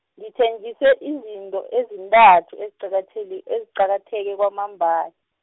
ngithenjiswe izinto ezintathu eziqakatheki- eziqakatheke kwamamba-.